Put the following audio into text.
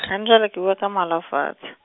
hana jwale ke bua ka mohala wa fatse.